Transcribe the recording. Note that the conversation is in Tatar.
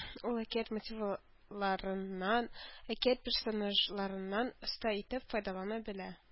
Ул әкият мотивларыннан, әкият персонажларыннан оста итеп файдалана белә